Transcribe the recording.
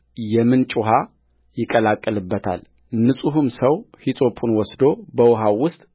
የምንጭ ውኃ ይቀላቀልበታልንጹሕም ሰው ሂሶጱን ወስዶ በውኃው ውስጥ